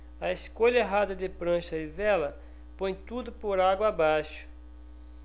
a escolha errada de prancha e vela põe tudo por água abaixo